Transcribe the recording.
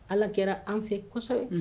Ala kɛra an fɛ kosɛbɛ!